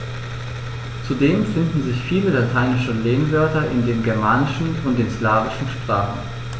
Zudem finden sich viele lateinische Lehnwörter in den germanischen und den slawischen Sprachen.